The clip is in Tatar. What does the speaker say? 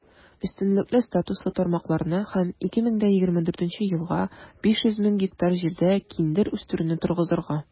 Өстенлекле статуслы тармакларны һәм 2024 елга 500 мең гектар җирдә киндер үстерүне торгызырга.